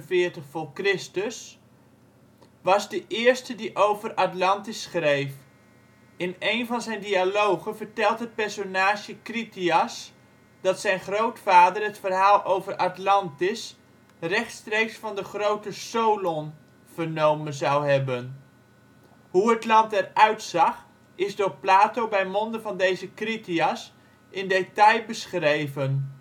427-347 voor Christus) was de eerste die over Atlantis schreef. In een van zijn dialogen vertelt het personage Critias dat zijn grootvader het verhaal over Atlantis rechtstreeks van de grote Solon (638 – 558 V.C.) vernomen zou hebben. Hoe het land eruit zag, is door Plato bij monde van deze Critias in detail beschreven